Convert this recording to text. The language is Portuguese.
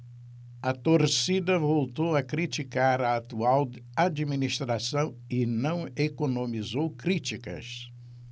a torcida voltou a criticar a atual administração e não economizou críticas